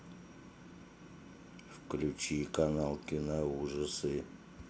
включи канал киноужасы